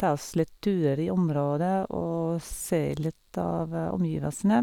ta oss litt turer i området og se litt av omgivelsene.